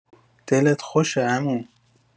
دلت خوشه عمو.